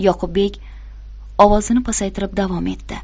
yoqubbek ovozini pasaytirib davom etdi